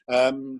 Yym.